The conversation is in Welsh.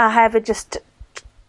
A hefyd jyst t- t-